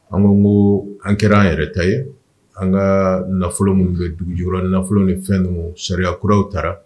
An munun ko an kɛra an yɛrɛ ta ye, an ka nafolo munun bɛ dugu jukɔrɔ nafolo ni fɛn ninnu . Sariya kuraraw ta la